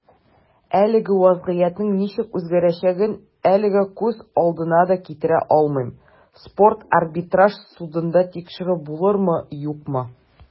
Әлеге вәзгыятьнең ничек үзгәрәчәген әлегә күз алдына да китерә алмыйм - спорт арбитраж судында тикшерү булырмы, юкмы.